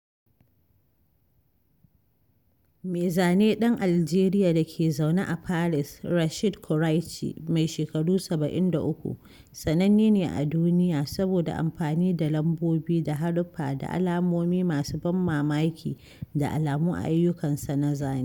Mai zane ɗan Aljeriya da ke zaune a Paris, Rachid Koraichi, mai shekaru 73, sananne ne a duniya saboda amfani da lambobi da haruffa da alamomi masu ban mamaki da alamu a ayyukansa na zane.